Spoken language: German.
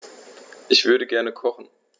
Ich würde gerne kochen.